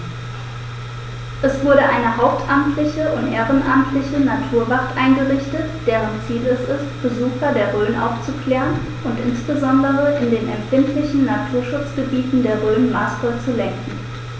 Es wurde eine hauptamtliche und ehrenamtliche Naturwacht eingerichtet, deren Ziel es ist, Besucher der Rhön aufzuklären und insbesondere in den empfindlichen Naturschutzgebieten der Rhön maßvoll zu lenken.